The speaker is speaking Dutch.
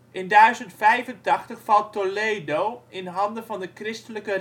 1085 valt Toledo in handen van de christelijke